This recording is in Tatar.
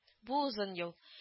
Бу озын юл